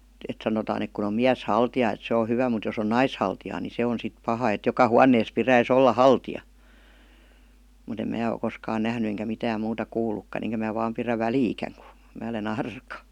että sanotaan että kun on mieshaltija että se on hyvä mutta jos on naishaltija niin se on sitten paha että joka huoneessa pitäisi olla haltija mutta en minä ole koskaan nähnyt enkä mitään muuta kuullutkaan enkä minä vain pidä väliäkään kun minä olen arka